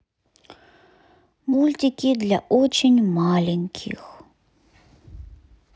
мультики для очень маленьких